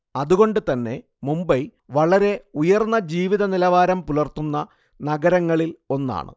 അതുകൊണ്ടു തന്നെ മുംബൈ വളരെ ഉയര്‍ന്ന ജീവിത നിലവാരം പുലര്‍ത്തുന്ന നഗരങ്ങളില്‍ ഒന്നാണ്